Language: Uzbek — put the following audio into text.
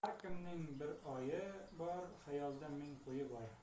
har kimning bir o'yi bor xayolida ming qo'yi bor